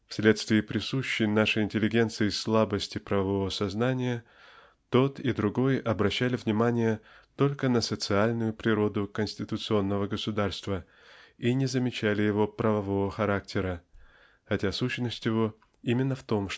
Вследствие присущей нашей интеллигенции слабости правового сознания тот и другой обращали внимание только на социальную природу конституционного государства и не замечали его правового характера хотя сущность его именно в том